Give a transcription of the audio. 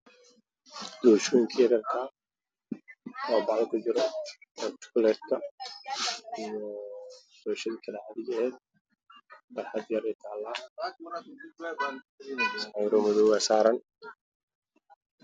Shukulaatoyin bac kujiro barxad yaalo